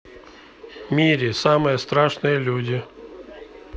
miri самые страшные люди